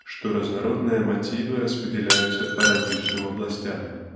что разнородные мотивы распределяются по различным областям